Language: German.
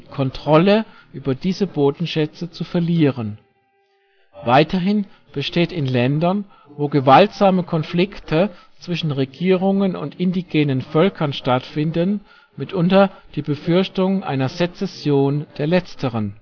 Kontrolle über diese Bodenschätze zu verlieren. Weiterhin besteht in Ländern, wo gewaltsame Konflikte zwischen Regierungen und indigenen Völkern stattfinden, mitunter die Befürchtung einer Sezession der letzteren